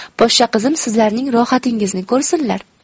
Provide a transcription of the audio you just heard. poshsha qizim sizlarning rohatingizni ko'rsinlar